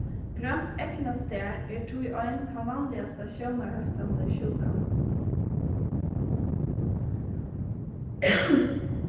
grønt eygnastar er tí ein tann vanligasta sjónarhóttandi sjúkan